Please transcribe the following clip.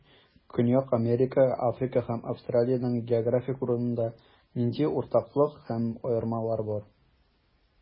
Көньяк Америка, Африка һәм Австралиянең географик урынында нинди уртаклык һәм аермалар бар?